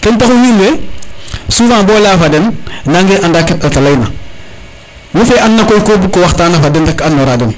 ten taxu wiin we souvent bo leya fa den nange anda ke ndata leyna wo fe an na koy ko buko waxtana fa den rek an nora den